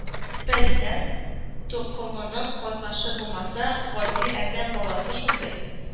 Пәриләр токымының катнашы булмаса, гади адәм баласы шундый